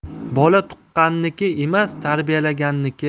bola tuqqanniki emas tarbiyalaganniki